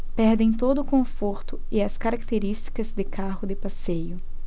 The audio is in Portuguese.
perdem todo o conforto e as características de carro de passeio